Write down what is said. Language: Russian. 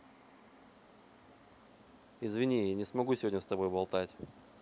извини я не смогу сегодня с тобой болтать